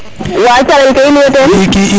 wa calel ke in way ten